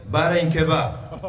Baara inkɛba